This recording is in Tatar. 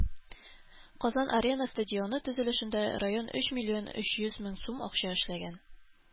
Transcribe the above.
“казан-арена” стадионы төзелешендә район өч миллион өч йөз мең сум акча эшләгән.